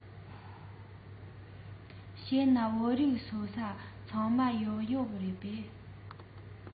བྱས ན བོད རིགས ཡོད ས ཚང མར གཡག ཡོད རེད པས